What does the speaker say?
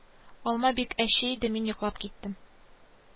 Алма бик әче иде мин йоклап киттем